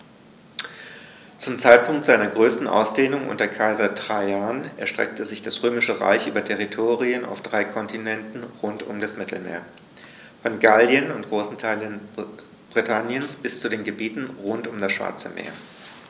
Zum Zeitpunkt seiner größten Ausdehnung unter Kaiser Trajan erstreckte sich das Römische Reich über Territorien auf drei Kontinenten rund um das Mittelmeer: Von Gallien und großen Teilen Britanniens bis zu den Gebieten rund um das Schwarze Meer.